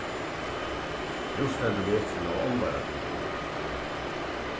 nú stendur veturin av álvara fyri durum